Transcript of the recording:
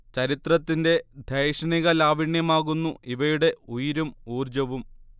ചരിത്രത്തിന്റെ ധൈഷണിക ലാവണ്യമാകുന്നു ഇവയുടെ ഉയിരും ഊർജ്ജവും